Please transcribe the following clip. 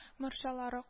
Морҗалары